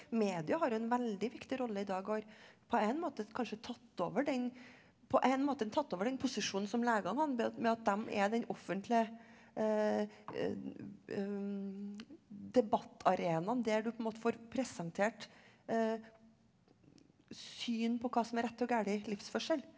media har en veldig viktig rolle i dag og på en måte kanskje tatt over den på en måte tatt over den posisjonen som legene hadde med at dem er den offentlige debattarenaen der du på en måte får presentert syn på hva som er rett og gal livsførsel.